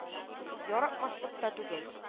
Яратмаслык та түгел